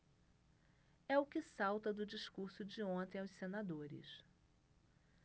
é o que salta do discurso de ontem aos senadores